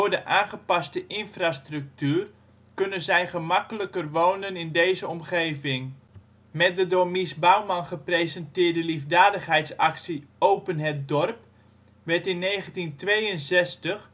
de aangepaste infrastructuur, kunnen zij gemakkelijker wonen in deze omgeving. Met de door Mies Bouwman gepresenteerde liefdadigheidsactie Open het Dorp werd in 1962 16,4